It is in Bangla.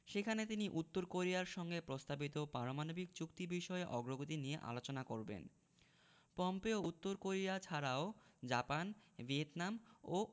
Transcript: সেখানে তিনি উত্তর কোরিয়ার সঙ্গে প্রস্তাবিত পারমাণবিক চুক্তি বিষয়ে অগ্রগতি নিয়ে আলোচনা করবেন পম্পেও উত্তর কোরিয়া ছাড়াও জাপান ভিয়েতনাম ও